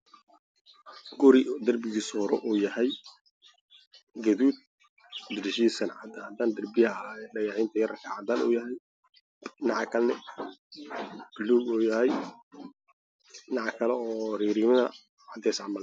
Meeshan waxaa ku yaalla guriga la ah darbigiisa uu yahay jaalo meesha hore uu yahay guluug waxa uu leeyahay daaqado shabakh shabaab ah geeda cagaaran ee ka hor baxaya oo yaryar